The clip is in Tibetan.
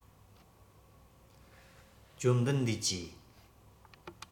བཅོམ ལྡན འདས ཀྱིས